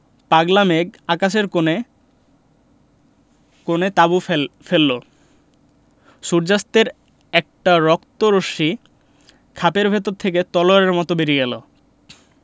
পাগলা মেঘ আকাশের কোণে কোণে তাঁবু ফেল ফেললো সূর্য্যাস্তের একটা রক্ত রশ্মি খাপের ভেতর থেকে তলোয়ারের মত বেরিয়ে এল